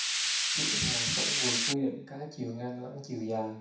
kiện hàng khủng vượt quy định cả chiều ngang lẫn chiều dài